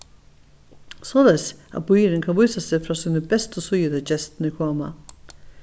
soleiðis at býurin kann vísa seg frá síni bestu síðu tá gestirnir koma